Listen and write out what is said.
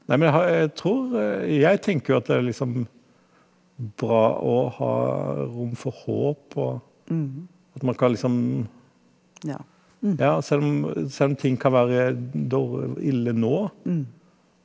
nei men jeg har jeg tror jeg tenker jo at det er liksom bra å ha rom for håp og at man kan liksom ja selv om selv om ting kan være ille nå.